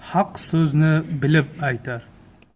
haq so'zni bilib aytar